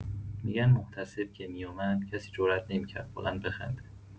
می‌گن محتسب که میومد، کسی جرات نمی‌کرد بلند بخنده!